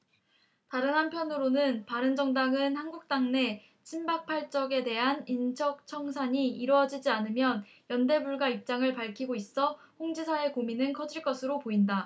다른 한편으로는 바른정당은 한국당내 친박 팔 적에 대한 인적청산이 이뤄지지 않으면 연대 불가 입장을 밝히고 있어 홍 지사의 고민은 커질 것으로 보인다